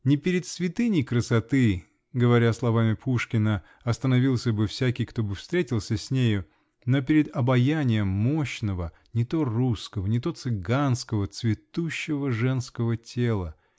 Не перед "святыней красоты, говоря словами Пушкина, остановился бы всякий, кто бы встретился с нею, но перед обаянием мощного, не то русского, не то цыганского цветущего женского тела.